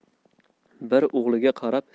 bir o'g'liga qarab